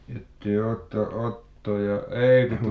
ja te olette Otto ja ei kun